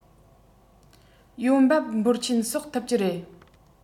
ཡོང འབབ འབོར ཆེན གསོག ཐུབ ཀྱི རེད